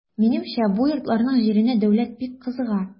Минемчә бу йортларның җиренә дәүләт бик кызыга.